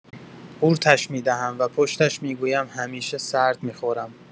قورتش می‌دهم و پشتش می‌گویم همیشه سرد می‌خورم.